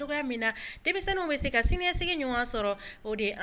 Denmisɛnninw bɛ se ka sini ɲɔgɔn sɔrɔ